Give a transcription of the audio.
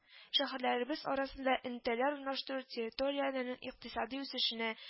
Шәһәрләребез арасында элемтәләр урнаштыру территорияләрнең икътисади үсешенә